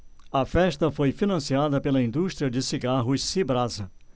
a festa foi financiada pela indústria de cigarros cibrasa